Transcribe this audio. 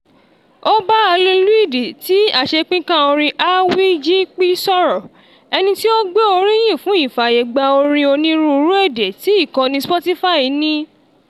Ó bá Alun Llwyd ti aṣèpínká orin AWJP sọ̀rọ̀, ẹni tí ó gbé oríyìn fún ìfààyègba orin onírúurú èdè tí ìkànnì Spotify ní.